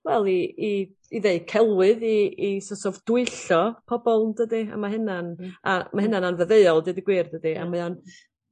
wel i i i ddeu celwydd i i so't of dwyllo pobol yndydi? A ma' hynna'n a ma' hynna anfyddeuol dweud y dydi a mae o'n